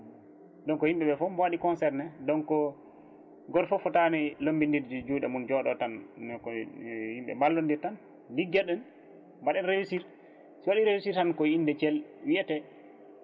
donc yimɓeɓe foof mo waɗi concerné donc goto foof fatani lombinirde juuɗe mum jooɗo tan yimɓe mballodir tan liggoɗen mbaɗen réussir so waɗi réussir tan ko inde Thiel wiyete